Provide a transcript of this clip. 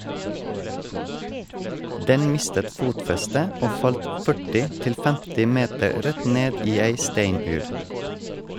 - Den mistet fotfestet og falt 40-50 meter rett ned i ei steinur.